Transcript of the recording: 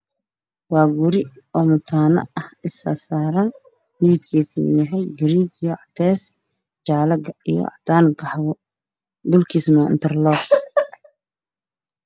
Waa guryo oo mataano ah oo isisaaran midabkiisu waa garee iyo cadeys, jaale, cadaan iyo qaxwi, dhulkana waa intrloog.